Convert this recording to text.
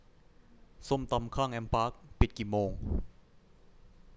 ส้มตำข้างแอมปาร์คปิดกี่โมง